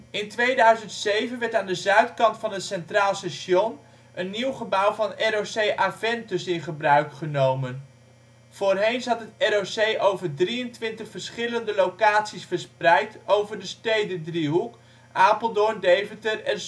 2007 werd aan de zuidkant van het Centraal Station een nieuw gebouw van ROC Aventus in gebruik genomen. Voorheen zat het ROC over 23 verschillende locaties verspreid over de Stedendriehoek (Apeldoorn, Deventer en